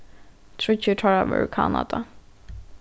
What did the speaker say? tríggir teirra vóru úr kanada